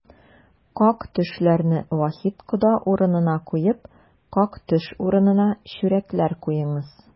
Как-төшләрне Вахит кода урынына куеп, как-төш урынына чүрәкләр куеңыз!